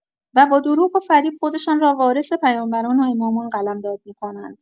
و با دروغ و فریب خودشان را وارث پیامبران و امامان قلمداد می‌کنند.